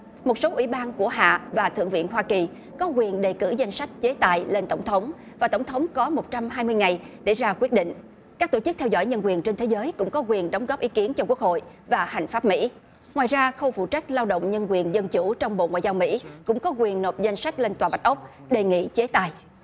một số ủy ban của hạ và thượng viện hoa kỳ có quyền đề cử danh sách chế tài lên tổng thống và tổng thống có một trăm hai mươi ngày để ra quyết định các tổ chức theo dõi nhân quyền trên thế giới cũng có quyền đóng góp ý kiến trong quốc hội và hành pháp mỹ ngoài ra khâu phụ trách lao động nhân quyền dân chủ trong bộ ngoại giao mỹ cũng có quyền nộp danh sách lên tòa bạch ốc đề nghị chế tài